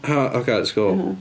O oce, let's go.